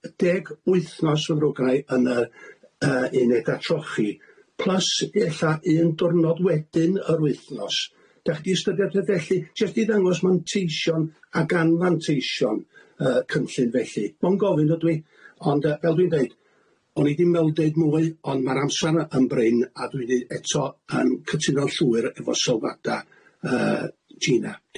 deg wythnos ma' ddrwg gynnai yn yy yy uneda trochi, plys ella un dwrnod wedyn yr wythnos, dach chi 'di ystyriad peth felly jyst i ddangos manteishon ag anfanteishon yy cynllun felly, mond gofyn ydw i, ond yy fel dwi'n deud, o'n i 'di me'l deud mwy, ond ma'r amser yn brin, a dwi 'di eto yn cytuno llwyr efo sylwada yy Tsieina.